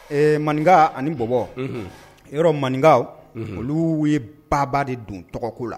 Ee maninkaw ani bɔbɔ yɔrɔ maninkaw olu ye bababa de don tɔgɔko la